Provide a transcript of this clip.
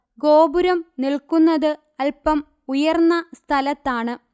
ഗോപുരം നിൽക്കുന്നത് അല്പം ഉയർന്ന സ്ഥലത്താണ്